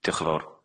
Dioch yn fowr.